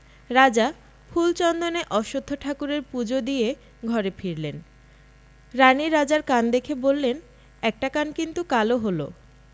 রাজা ফুল চন্দনে অশ্বত্থ ঠাকুরের পুজো দিয়ে ঘরে ফিরলেন রানী রাজার কান দেখে বললেন একটি কান কিন্তু কালো হল'